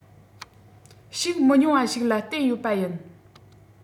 ཤུགས མི ཉུང བ ཞིག ལ བརྟེན ཡོད པ ཡིན